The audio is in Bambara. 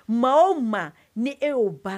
Maa o ma ni e y'o